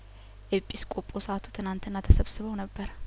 ኤጲስቆጶስቱ ትላንትና ተሰብስበው ነበር